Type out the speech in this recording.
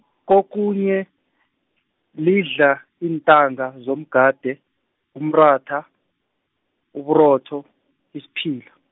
kokhunye, lidla iintanga zomgade, umratha, uburotho , isiphila.